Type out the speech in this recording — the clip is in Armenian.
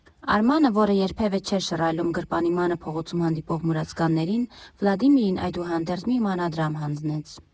Արմանը, որը երբևէ չէր շռայլում գրպանի մանրը փողոցում հանդիպող մուրացկաններին, Վլադիմիրին, այդուհանդերձ, մի մանրադրամ հանձնեց։